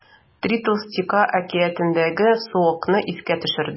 “три толстяка” әкиятендәге суокны искә төшерде.